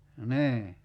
niin